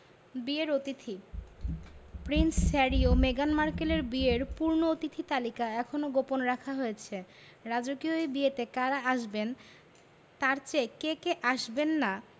বিয়ের অতিথি prince Harry ও মেগান মার্কেলের বিয়ের পূর্ণ অতিথি তালিকা এখনো গোপন রাখা হয়েছে রাজকীয় এই বিয়েতে কারা আসবেন তার চেয়ে কে কে আসবেন না